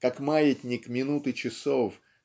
как маятник минут и часов